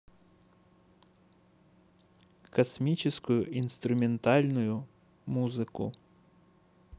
космическую инструментальную музыку